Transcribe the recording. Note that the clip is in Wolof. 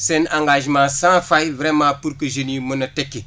seen engagement sans faille vraiment pour que jeunes yi mën a tekki